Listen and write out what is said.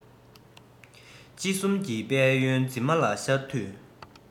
དཔྱིད གསུམ གྱི དཔལ ཡོན འཛིན མ ལ ཤར དུས